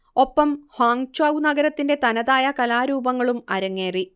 ഒപ്പം ഹ്വാങ്ചൗ നഗരത്തിന്റെ തനതായ കലാരൂപങ്ങളും അരങ്ങേറി